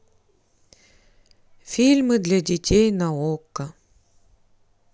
фильмы для детей на окко